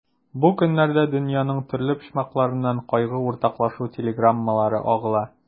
Бу көннәрдә дөньяның төрле почмакларыннан кайгы уртаклашу телеграммалары агыла.